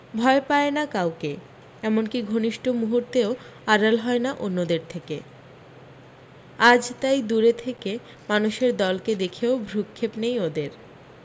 ভয় পায় না কাউকে এমনকি ঘনিষ্ঠ মূহুর্তেও আড়াল হয় না অন্যদের থেকে আজ তাই দূর থেকে মানুষের দলকে দেখেও ভরুক্ষেপ নেই ওদের